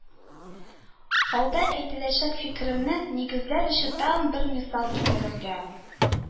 Алда әйтеләчәк фикеремне нигезләр өчен тагын бер мисал китерергә